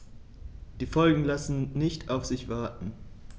Die Folgen lassen nicht auf sich warten.